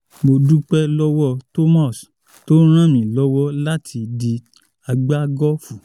Mo dúpẹ́ lọwọ́ Thomas tó rànmílọ́wọ́ láti di agbágọ́ọ̀fù.